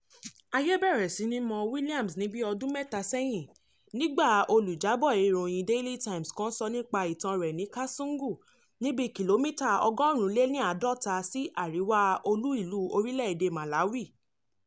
Ayé bẹ̀rẹ̀ sí ní mọ William ní bíi ọdún mẹta sẹ́yìn nígbà olújábọ̀ ìròyìn Daily Times kan sọ nípa ìtàn rẹ̀ ní Kasungu ní bíi kìlómítà 150 sí àríwá olú ìlú orílẹ̀-èdè Malawi.